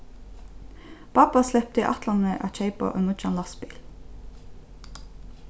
babba slepti ætlanini at keypa ein nýggjan lastbil